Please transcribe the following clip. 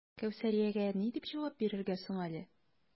Кәүсәриягә ни дип җавап бирергә соң әле?